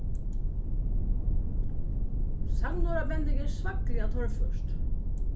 sagnorðabending er svakliga torført